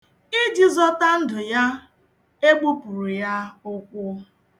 Iji zọta ndụ ya, egbupụrụ ya ụkwụ.